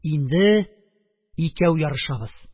Инде икәү ярышабыз...